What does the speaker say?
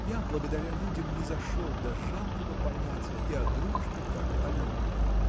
Я благодаря людям низошел до жалкого понятия и о дружбе, как о любви.